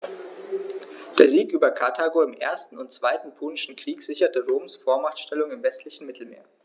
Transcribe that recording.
Der Sieg über Karthago im 1. und 2. Punischen Krieg sicherte Roms Vormachtstellung im westlichen Mittelmeer.